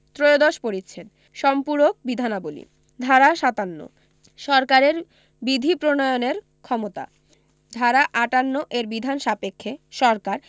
ত্রয়োদশ পরিচ্ছেদ সম্পূরক বিধানাবলী ধারা ৫৭ সরকারের বিধি প্রণয়নের ক্ষমতা ধারা ৫৮ এর বিধান সাপেক্ষে সরকার